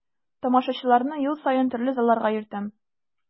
Тамашачыларны ел саен төрле залларга йөртәм.